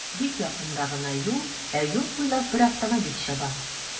Бик якында гына юл, ә юл буйлап бер автомобиль чаба.